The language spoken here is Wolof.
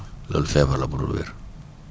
loolu feebar la bu dul wér